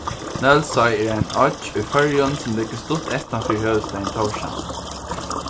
nólsoy er ein oyggj í føroyum sum liggur stutt eystan fyri høvuðsstaðin tórshavn